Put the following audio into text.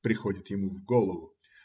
- приходит ему в голову.